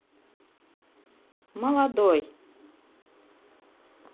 молодой